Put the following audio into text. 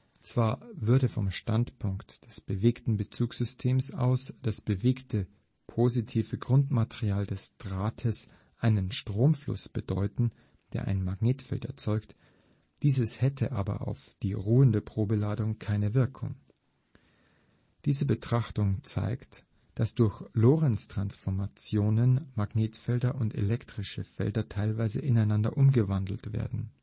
Zwar würde vom Standpunkt des bewegten Bezugssystems aus das bewegte positive Grundmaterial des Drahtes einen Stromfluss bedeuten, der ein Magnetfeld erzeugt, dieses hätte aber auf die ruhende Probeladung keine Wirkung. Diese Betrachtung zeigt, dass durch Lorentztransformationen Magnetfelder und elektrische Felder teilweise ineinander umgewandelt werden